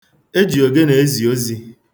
E ji ogene ezi ozi.